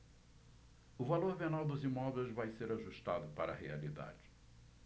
o valor venal dos imóveis vai ser ajustado para a realidade